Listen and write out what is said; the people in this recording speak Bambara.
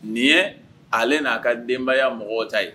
Nin ye ale n'a ka denbayaya mɔgɔ ta ye